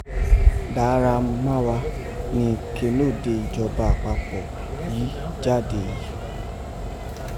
Dà ara má wa ni ikénóde ijọba apapọ yi èyí jade.